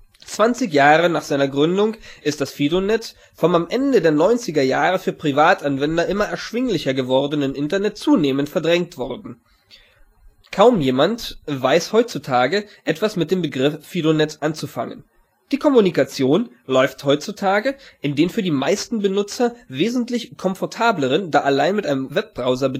20 Jahre nach seiner Gründung ist das FidoNet vom am Ende der 90er Jahre für Privatanwender immer erschwinglicher gewordenen Internet zunehmend verdrängt worden. Kaum jemand weiß heutzutage etwas mit dem Begriff FidoNet anzufangen – die Kommunikation läuft heutzutage in den für die meisten Benutzer wesentlich komfortableren (da allein mit einem Webbrowser